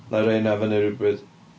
Wna i roi heina fyny rywbryd.